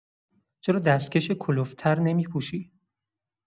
چرا دستکش کلفت‌تر نمی‌پوشی؟